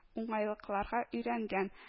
Уңайлыкларга өйрәнгән